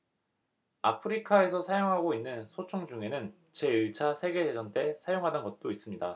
아프리카에서 사용하고 있는 소총 중에는 제 일 차 세계 대전 때 사용하던 것도 있습니다